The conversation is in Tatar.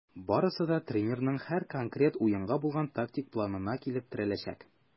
Барысы да тренерның һәр конкрет уенга булган тактик планына килеп терәләчәк.